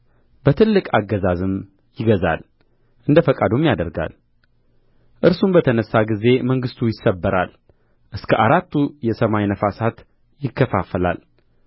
በትልቅ አገዛዝም ይገዛል እንደ ፈቃዱም ያደርጋል እርሱም በተነሣ ጊዜ መንግሥቱ ይሰበራል እስከ አራቱ የሰማይ ነፋሳት ይከፋፈላል